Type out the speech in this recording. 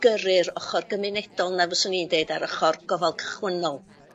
gyrru'r ochor gymunedol 'na fyswn i'n deud a'r ochor gofal cychwynnol